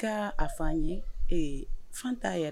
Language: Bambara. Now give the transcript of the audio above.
I ka a fɔ an ye ee fanta yɛrɛ